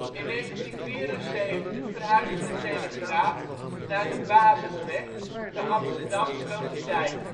In 1974 verhuisde De Telegraaf naar de Basisweg te Amsterdam-Sloterdijk